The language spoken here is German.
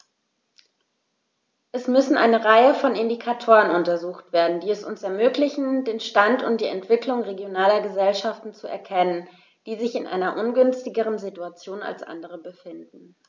Es müssen eine Reihe von Indikatoren untersucht werden, die es uns ermöglichen, den Stand und die Entwicklung regionaler Gesellschaften zu erkennen, die sich in einer ungünstigeren Situation als andere befinden.